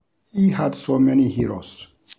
He had so many heroes.